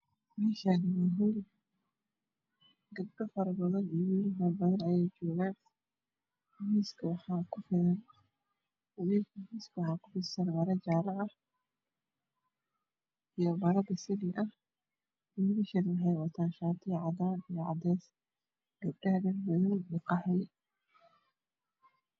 Meshan wa hool gabdho fara badan iyo wilaal fara badan ayaa jogaan miiska waxaa ku fidsan mara jaala ah iyo mara basali ah lapada sheeq waxey wataan shatiyo cadan iyo cadees gabdhahana madow iyo qaxwi